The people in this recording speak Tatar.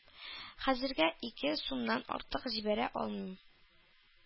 Хәзергә ике сумнан артык җибәрә алмыйм.